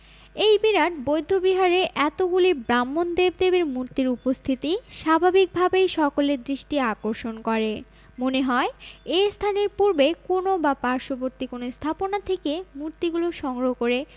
এই বিরাট বৌদ্ধ বিহারে এতগুলি ব্রাক্ষ্মণ দেব দেবীর মূতির্র উপস্থিতি স্বাভাবিকভাবেই সকলের দৃষ্টি আকৃষ্ট করে মনে হয় এ স্থানের পূর্বের কোন বা পার্শ্ববর্তী কোন স্থাপনা থেকে মূর্তিগুলি সংগ্রহ করে